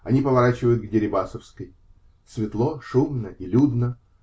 Они поворачивают к Дерибасовской. Светло, шумно и людно.